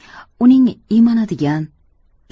uning iymanadigan